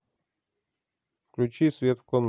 включи свет в комнате